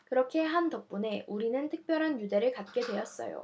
그렇게 한 덕분에 우리는 특별한 유대를 갖게 되었어요